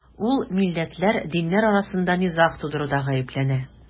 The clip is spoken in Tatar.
Ул милләтләр, диннәр арасында низаг тудыруда гаепләнә.